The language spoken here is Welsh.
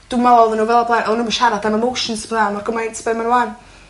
Dwi'm me'wl odda n'w fel 'a o blaen. O' nw'm yn siarad am emotioins petha mor gymaint be' ma' n'w ŵan.